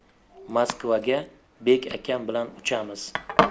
moskvaga bek akam bilan uchamiz